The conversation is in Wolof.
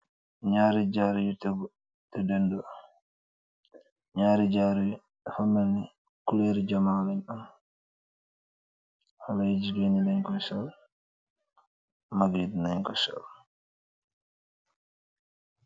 Ñiar jaaru yu tegu, tè dendoo. Ñaari jaar yu dafa melni kuloori jamaa lañ am. Xaley yi jigéeni deñ koy sol, mak yi dañ Koy sol.